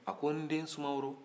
a ko n den sumaworo